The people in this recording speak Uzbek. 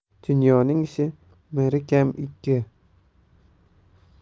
dunyoning ishi miri kam ikki